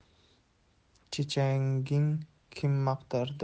chechanhgin kim maqtar